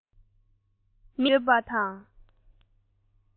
མི གཞན ལ སྤྲད རྩིས ཡོད པ དང